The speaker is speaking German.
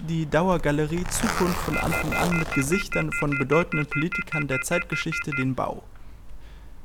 die Dauer-Galerie: „ Zukunft von Anfang an “mit Gesichtern von bedeutenden Politikern der Zeitgeschichte den Bau.